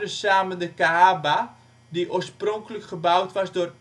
samen de Ka'aba, die oorspronkelijk gebouwd was door